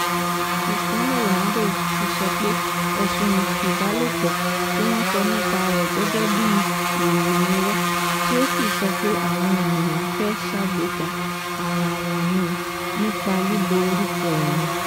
Cristiano Ronaldo ti sọ pé ẹ̀sùn ìfipabanilòpọ̀ ti wọn sọ nípa rẹ̀ gẹ́gẹ́bí i “ìròyìn irọ́,” tí ó sì sọ pé àwọn ènìyàn “fẹ́ ṣàgbéga ara wọn ni” nípa lílo orúkọ òhun.